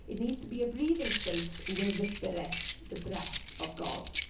It needs to be a breathing space with the spirit, the breath of God.